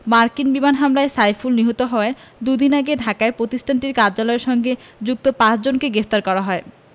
মার্কিন বিমান হামলায় সাইফুল নিহত হওয়ার দুদিন আগে ঢাকায় প্রতিষ্ঠানটির কার্যালয়ের সঙ্গে যুক্ত পাঁচজনকে গ্রেপ্তার করা হয়